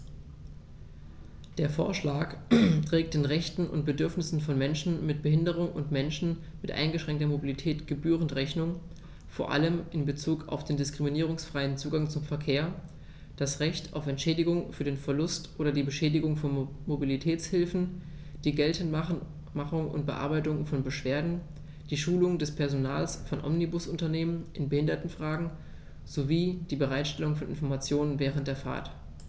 Der Vorschlag trägt den Rechten und Bedürfnissen von Menschen mit Behinderung und Menschen mit eingeschränkter Mobilität gebührend Rechnung, vor allem in Bezug auf den diskriminierungsfreien Zugang zum Verkehr, das Recht auf Entschädigung für den Verlust oder die Beschädigung von Mobilitätshilfen, die Geltendmachung und Bearbeitung von Beschwerden, die Schulung des Personals von Omnibusunternehmen in Behindertenfragen sowie die Bereitstellung von Informationen während der Fahrt.